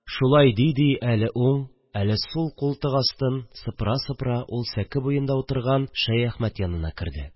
Шулай ди-ди, әле уң, әле сул култык астын сыпыра-сыпыра, ул сәке буенда утырган Шәяхмәт янына керде